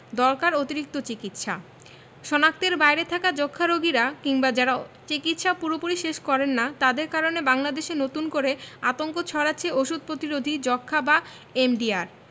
দরকার অতিরিক্ত চিকিৎসা শনাক্তের বাইরে থাকা যক্ষ্মা রোগীরা কিংবা যারা চিকিৎসা পুরোপুরি শেষ করেন না তাদের কারণে বাংলাদেশে নতুন করে আতঙ্ক ছড়াচ্ছে ওষুধ প্রতিরোধী যক্ষ্মা বা এমডিআর